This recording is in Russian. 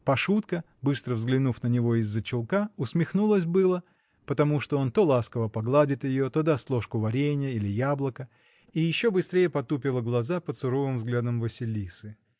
Пашутка, быстро взглянув на него из-за чулка, усмехнулась было, потому что он то ласково погладит ее, то даст ложку варенья или яблоко, и еще быстрее потупила глаза под суровым взглядом Василисы.